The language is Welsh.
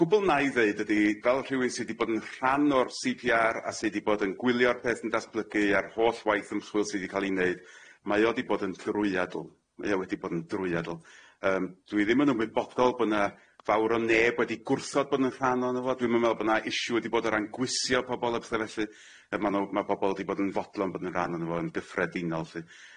Cwbwl na i ddeud ydi fel rhywun sy di bod yn rhan o'r See Pee Are a sy di bod yn gwylio'r peth yn datblygu a'r holl waith ymchwil sy di ca'l i neud mae o di bod yn ddrwyadl, mae o wedi bod yn drwyadl yym dwi ddim yn ymwybodol bo' na fawr o neb wedi gwrthod bod yn rhan o'no fo dwi'm yn me'wl bo' na issue wedi bod o ran gwisio pobol a pethe felly yy ma' n'w ma' pobol wedi bod yn fodlon bod yn rhan o'no fo yn gyffredinol lly.